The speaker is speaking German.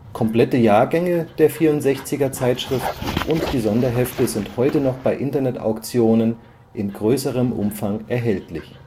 Komplette Jahrgänge der 64er-Zeitschrift und die Sonderhefte sind heute noch bei Internet-Auktionen in größerem Umfang erhältlich